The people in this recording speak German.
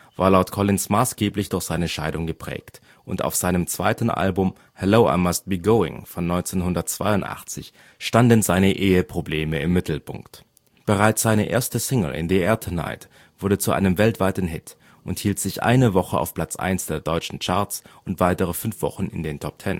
war laut Collins maßgeblich durch seine Scheidung geprägt (Bronson, S. 604), und auf seinem zweiten Album Hello, I Must Be Going! (1982) standen seine Eheprobleme im Mittelpunkt. Bereits seine erste Single In The Air Tonight wurde zu einem weltweiten Hit und hielt sich eine Woche auf Platz 1 der deutschen Charts und weitere fünf Wochen in den Top 10. Für